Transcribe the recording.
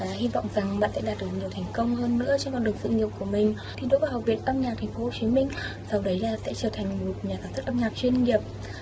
và hy vọng rằng bạn sẽ đạt được nhiều thành công hơn nữa trong sự nghiệp của mình thi đỗ vào học viện âm nhạc thành phố hồ chí minh sau đấy là sẽ trở thành một nhà sản xuất âm nhạc chuyên nghiệp